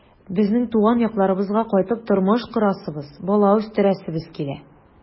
Безнең туган якларыбызга кайтып тормыш корасыбыз, бала үстерәсебез килә.